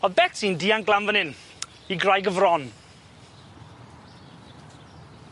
O'dd Betsy'n dianc lan fyn 'yn i graig y fron.